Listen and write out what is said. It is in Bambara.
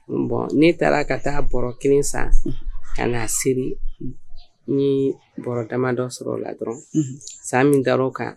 Bɔn ne taara ka taa baro kelen san ka naa se n ye baro dama dɔ sɔrɔ o la dɔrɔn san min da kan